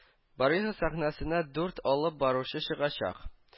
"барвиха" сәхнәсенә дүрт алып баручы чыгачак